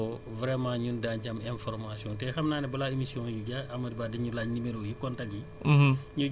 ku ngeen ci jokkoo vraiment ñun daañu ci am information te xam naa ne balaa émission bi di jeex Amady Ba dañu laaj numéro yi contacts yi